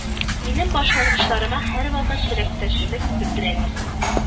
Минем башлангычларыма һәрвакыт теләктәшлек белдерәләр